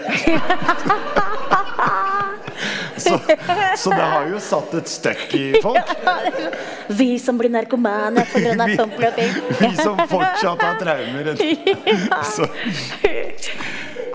ja ja vi som ble narkomane pga. Pompel og Pilt , ja.